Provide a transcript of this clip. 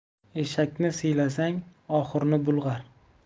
eshakni siylasang oxurni bulg'ar